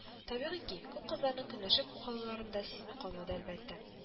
Табигый ки, күп кызларның көнләшеп калуларын да сизми калмады, әлбәттә